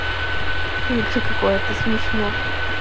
игры какое это смешно